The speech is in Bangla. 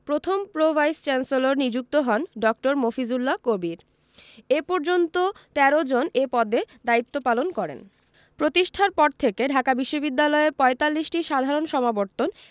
প্রথম প্রো ভাইস চ্যান্সেলর নিযুক্ত হন ড. মফিজুল্লাহ কবির এ পর্যন্ত ১৩ জন এ পদে দায়িত্বপালন করেন প্রতিষ্ঠার পর থেকে ঢাকা বিশ্ববিদ্যালয়ে ৪৫টি সাধারণ সমাবর্তন